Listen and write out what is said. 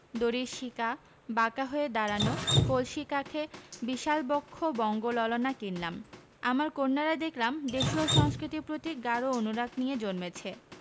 দড়ির শিকা বাঁকা হয়ে দাঁড়ানো কলসি কাঁখে বিশালা বক্ষ বঙ্গ ললনা কিনলাম আমার কন্যারা দেখলাম দেশীয় সংস্কৃতির প্রতি গাঢ় অনুরাগ নিয়ে জন্মেছে